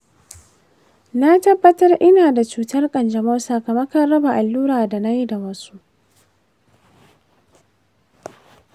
na tabbatar ina da cutar kanjamau sakamakon raba allura da na yi da wasu.